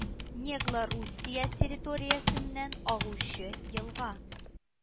Негла Русия территориясеннән агучы елга